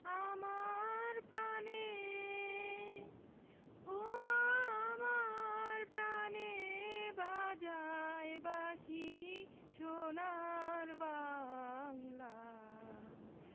আমার প্রাণে ওমা আমার প্রানে বাজায় বাঁশি সোনার বাংলা